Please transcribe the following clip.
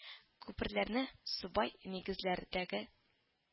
Күперләрне субай нигезләрдәге